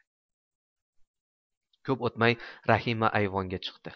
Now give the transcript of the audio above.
ko'p o'tmay rahima ayvonga chiqdi